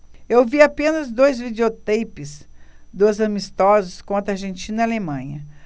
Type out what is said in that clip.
eu vi apenas dois videoteipes dos amistosos contra argentina e alemanha